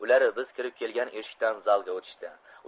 ular biz kirib kelgan eshikdan zalga o'tishdi